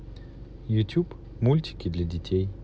ютуб мультики для детей